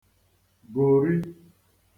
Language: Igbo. gòri